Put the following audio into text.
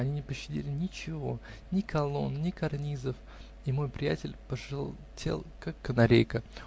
они не пощадили ничего: ни колонн, ни карнизов, и мой приятель пожелтел, как канарейка.